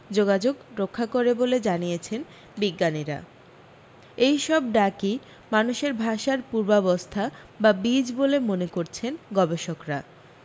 যোগাযোগ রক্ষা করে বলে জানিয়েছেন বিজ্ঞানীরা এই সব ডাকি মানুষের ভাষার পূর্বাবস্থা বা বীজ বলে মনে করছেন গবেষকরা